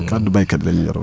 kaddu béykat lañ yoroon